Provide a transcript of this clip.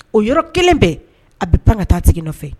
O yɔrɔ kelen bɛ ,a bi pan ka taa tigi nɔfɛ.